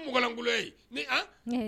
Muganlangolo ye ni